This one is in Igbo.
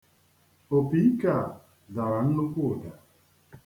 Opiike a dara nnukwu ụda.